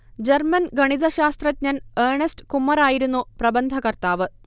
German ഗണിതശാസ്ത്രജ്ഞൻ Ernst കുമ്മറായിരുന്നു പ്രബന്ധകർത്താവ്